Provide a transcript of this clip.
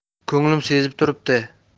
ko'nglim sezib turibdi